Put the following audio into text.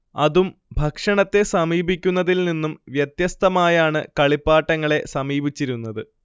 അതും ഭക്ഷണത്തെ സമീപിക്കുന്നതിൽ നിന്നും വ്യത്യസ്തമായാണ് കളിപ്പാട്ടങ്ങളെ സമീപിച്ചിരുന്നത്